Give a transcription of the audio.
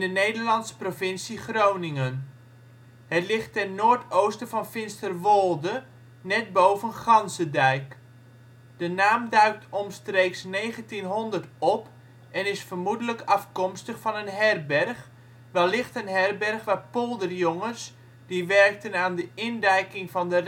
Nederlandse provincie Groningen. Het ligt ten noord-oosten van Finsterwolde, net boven Ganzedijk. De naam duikt omstreeks 1900 op en is vermoedelijk afkomstig van een herberg, wellicht een herberg waar polderjongens die werkten aan de indijking van de